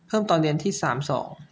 เพิ่มตอนเรียนที่สามสอง